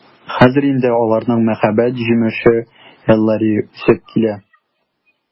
Хәзер инде аларның мәхәббәт җимеше Эллари үсеп килә.